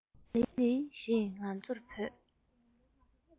ལི ལི ཞེས ང ཚོར བོས